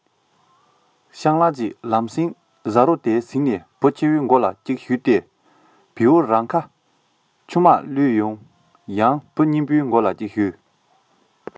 སྤྱང ལགས ཀྱིས ལམ སེང བཟའ རུ དེ ཟིན ནས བུ ཆེ བའི མགོ ལ གཅིག ཞུས ཏེ བེའུ རང ཁ ཆུ མ གློད ཡང བུ གཉིས པའི མགོ ལ གཅིག ཞུས ཏེ བེའུ རང ཁ ཆུ མ གློད